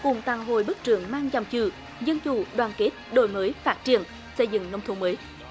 cùng tặng hội bức trướng mang dòng chữ dân chủ đoàn kết đổi mới phát triển xây dựng nông thôn mới